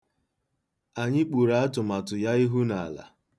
Anyị kpuru atụmatụ ya ihu n'ala.